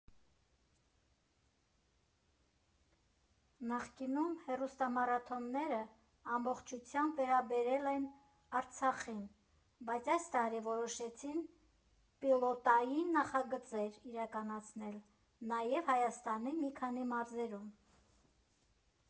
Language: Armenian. Նախկինում հեռուստամարաթոնները ամբողջությամբ վերաբերել են Արցախին, բայց այս տարի որոշեցին պիլոտային նախագծեր իրականացնել նաև Հայաստանի մի քանի մարզերում։